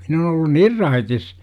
minä olen ollut niin raitis